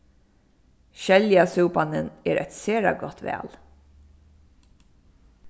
skeljasúpanin er eitt sera gott val